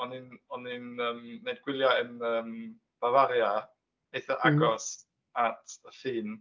O'n i'n o'n i'n yym wneud gwyliau yn yym Bavaria, eitha agos at y ffin.